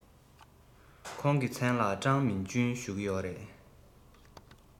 ཁོང གི མཚན ལ ཀྲང མིང ཅུན ཞུ གི ཡོད རེད